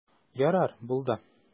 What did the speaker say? Ярар, булды.